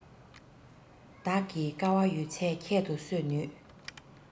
བདག གིས དཀའ བ ཡོད ཚད ཁྱད དུ གསོད ནུས